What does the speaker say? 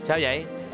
sao vậy